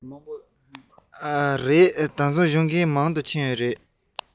རེད དེང སང སྦྱོང མཁན མང དུ ཕྱིན ཡོད རེད